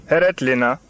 hɛrɛ tilenna